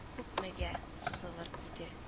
Күпмегә сузылыр иде